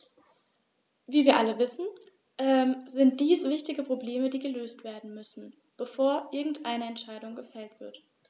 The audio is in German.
Wie wir alle wissen, sind dies wichtige Probleme, die gelöst werden müssen, bevor irgendeine Entscheidung gefällt wird.